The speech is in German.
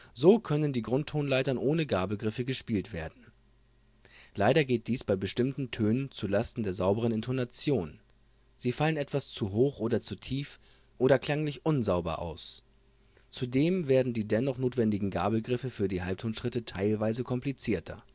So können die Grundtonleitern ohne Gabelgriffe gespielt werden. Leider geht dies bei bestimmten Tönen zu Lasten der sauberen Intonation (sie fallen etwas zu hoch, oder zu tief, oder klanglich unsauber aus), zudem werden die dennoch notwendigen Gabelgriffe für die Halbtonschritte teilweise komplizierter